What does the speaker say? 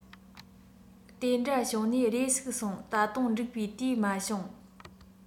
དེ འདྲ བྱུང ནས རེ ཞིག སོང ད དུང འགྲིག པའི དུས མ བྱུང